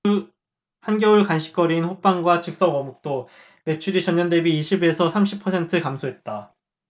한겨울 간식거리인 호빵과 즉석어묵도 매출이 전년대비 이십 에서 삼십 퍼센트 감소했다